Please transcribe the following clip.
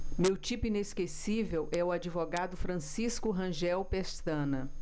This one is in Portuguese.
meu tipo inesquecível é o advogado francisco rangel pestana